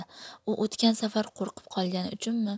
u o'tgan safar qo'rqib qolgani uchunmi